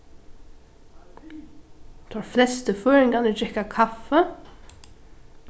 teir flestu føroyingarnir drekka kaffi